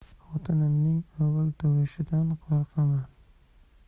xotinimning o'g'il tug'ishidan qo'rqaman